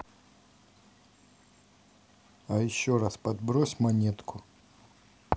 а еще раз подбрось монетку